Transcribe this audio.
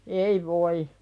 ei voi